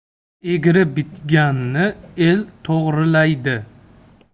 egri bitganni el to'g'rilaydi